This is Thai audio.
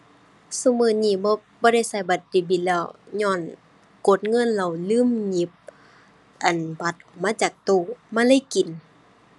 ซุมื้อนี้บ่ บ่ได้ใช้บัตรเดบิตแล้ว ญ้อนกดเงินแล้วลืมหยิบ อั่น บัตรมาจากตู้ มันเลยกิน